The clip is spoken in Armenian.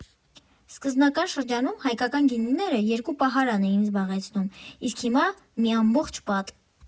Սկզբնական շրջանում հայկական գինիները երկու պահարան էին զբաղեցնում, իսկ հիմա՝ մի ամբողջ պատ։